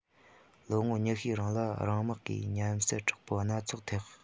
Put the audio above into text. ལོ ངོ ཉི ཤུའི རིང ལ རང དམག གིས ཉམས སད དྲག པོ སྣ ཚོགས ཐེག